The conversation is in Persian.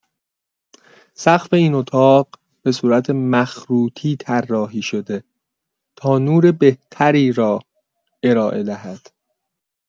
سقف این اتاق به صورت مخروطی طراحی شده تا نور بهتری را ارائه دهد.